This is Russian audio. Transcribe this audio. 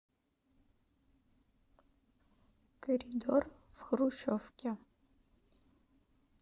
коридор в хрущевке